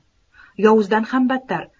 yovuzdan ham battarroq